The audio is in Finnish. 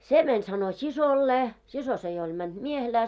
se meni sanoi siskolleen sisko se jo oli mennyt miehelään